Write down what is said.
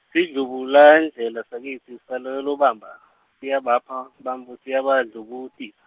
Sidlubuladledle sakitsi sakaLobamba, siyabapha bantfu siyabadlubutisa.